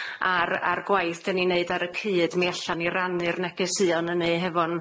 a'r a'r gwaith 'den ni'n neud ar y cyd, mi allan ni rannu'r negeseuon hynny hefo'n